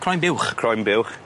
Croen buwch? Croen buwch.